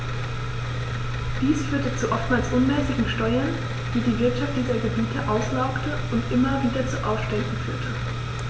Dies führte zu oftmals unmäßigen Steuern, die die Wirtschaft dieser Gebiete auslaugte und immer wieder zu Aufständen führte.